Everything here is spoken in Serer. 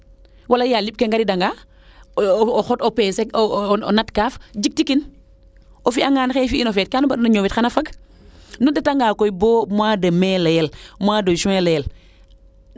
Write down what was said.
wala yaal limb ke ngariida nga o xot o peese o nat kaaf jikti kin o fiya ngaan xaye fi no feete kaa nu mbar ina ñoowit xana fag nu ndeta nga koy bo mois de Mai leyel mosi de juin leyel